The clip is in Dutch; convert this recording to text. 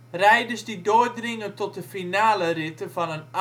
Rijders die doordringen tot de finaleritten van